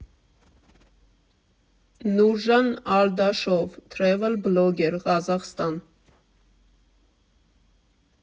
Նուրժան Ալդաշով, թրևլ֊բլոգեր, Ղազախստան։